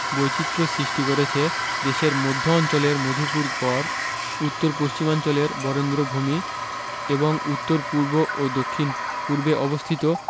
বৈচিত্র্য সৃষ্টি করেছে দেশের মধ্য অঞ্চলের মধুপুর গড় উত্তর পশ্চিমাঞ্চলের বরেন্দ্রভূমি এবং উত্তর পূর্ব ও দক্ষিণ পূর্বে অবস্থিত